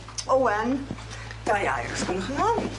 Owen. Gai air os gwelwch yn dda?